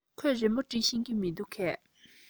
ཁོས རི མོ འབྲི ཤེས ཀྱི མིན འདུག གས